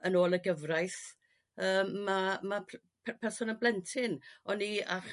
yn ôl y gyfraith yrr ma' ma' pr- p- person yn blentyn o'n i a